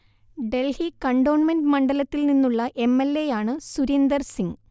Delhi cantonment മണ്ഡലത്തിൽ നിന്നുള്ള M L A യാണ് സുരിന്ദർ സിങ്